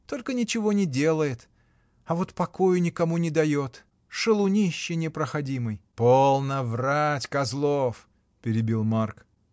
Только ничего не делает, да вот покою никому не дает: шалунище непроходимый. — Полно врать, Козлов! — перебил Марк.